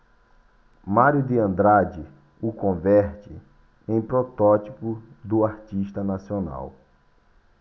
mário de andrade o converte em protótipo do artista nacional